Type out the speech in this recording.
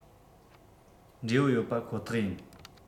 འབྲས བུ ཡོད པ ཁོ ཐག ཡིན